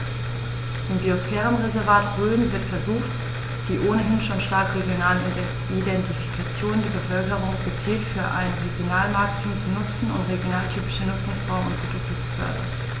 Im Biosphärenreservat Rhön wird versucht, die ohnehin schon starke regionale Identifikation der Bevölkerung gezielt für ein Regionalmarketing zu nutzen und regionaltypische Nutzungsformen und Produkte zu fördern.